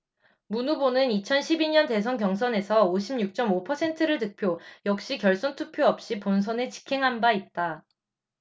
문 후보는 이천 십 이 년 대선 경선에서 오십 육 쩜 오 퍼센트를 득표 역시 결선투표 없이 본선에 직행한 바 있다